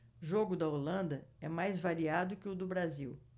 jogo da holanda é mais variado que o do brasil